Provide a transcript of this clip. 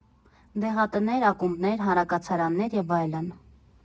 Դեղատներ, ակումբներ, հանրակացարաններ և այլն։